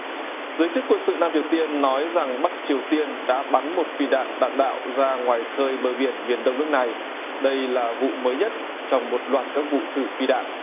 giới chức quân sự nam triều tiên nói rằng bắc triều tiên đã bắn một phi đạn đạn đạo ra ngoài khơi bờ biển miền đông nước này đây là vụ mới nhất trong một loạt các vụ thử phi đạn